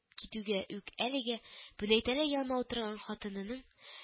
Китүгә үк әлегә пүнәтәйләр янында утырган хатынының